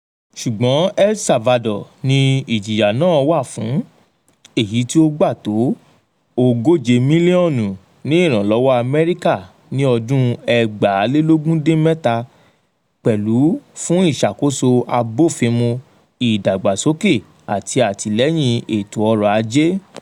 Ṣùgbọ́n El Salvador ni ìjìyà náà wà fún, èyití ó gbà tó $ 140 milionu ní ìrànlọ́wọ́ Amẹ́ríkà ní ọdún 2017, pẹ̀lú fún ìṣàkóso abófimu, ìdàgbàsókè àti àtìlẹ́yìn ètò ọrọ̀ ajé.